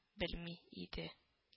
Белми иде